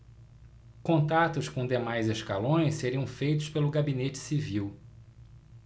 contatos com demais escalões seriam feitos pelo gabinete civil